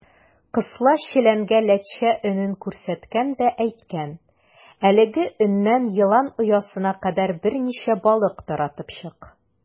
Кысла челәнгә ләтчә өнен күрсәткән дә әйткән: "Әлеге өннән елан оясына кадәр берничә балык таратып чык".